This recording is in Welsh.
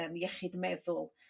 yym iechyd meddwl